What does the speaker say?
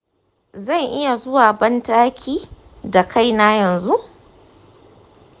zan iya zuwa ban taki da kaina yanzun.